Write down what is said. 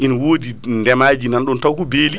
ene woodi ndeemaji nanaɗon taw ko beeli